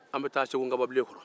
an bɛ taa segu kababilen kɔnɔ